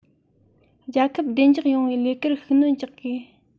རྒྱལ ཁབ བདེ འཇགས ཡོང བའི ལས ཀར ཤུགས སྣོན རྒྱག དགོས